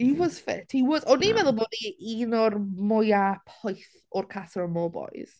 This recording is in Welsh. He was fit, he was... o'n i'n meddwl bod e un o'r mwyaf poeth o'r Casa Amor boys.